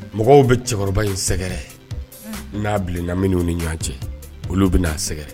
Mɔgɔw bɛ cɛkɔrɔba in sɛgɛrɛ n'a bilenna minnu ni ɲɔgɔn cɛ olu bɛ n'a sɛɛrɛ